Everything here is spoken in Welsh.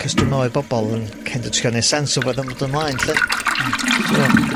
'Cos dwi'n me'wl oedd bobol yn kid o' trio neud sense o be' odd yn mynd ymlaen 'lly. Hmm. Ti me'wl?